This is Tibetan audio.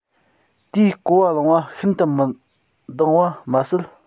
དེའི གོ བ བླངས པ ཤིན ཏུ མི འདང བ མ ཟད